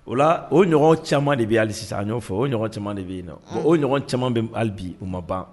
O la o ɲɔgɔn caman de be ye hali sisan a ɲ'o fɔ o ɲɔgɔn caman de be yennɔ unhun bon o ɲɔgɔn caman bem hali bi u ma ban